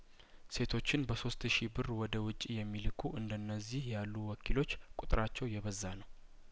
ሴቶችን በሶስት ሺህ ብር ወደ ውጪ የሚልኩ እንደነዚህ ያሉ ወኪሎች ቁጥራቸው የበዛ ነው